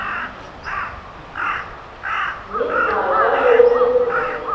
не знаю даже вот не знаю